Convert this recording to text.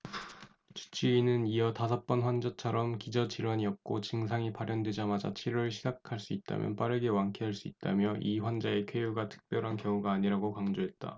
주치의는 이어 다섯 번 환자처럼 기저 질환이 없고 증상이 발현되자마자 치료를 시작할 수 있다면 빠르게 완쾌할 수 있다며 이 환자의 쾌유가 특별한 경우가 아니라고 강조했다